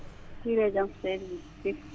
kire e jaam seydi SY